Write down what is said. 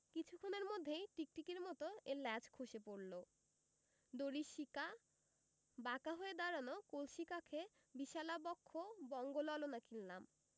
কিছুক্ষণের মধ্যেই টিকটিকির মত এর ল্যাজ খসে পড়ল দড়ির শিকা বাঁকা হয়ে দাঁড়ানো কলসি কাঁখে বিশালা বক্ষ বঙ্গ ললনা কিনলাম